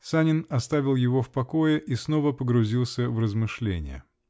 Санин оставил его в покое -- и снова погрузился в размышления.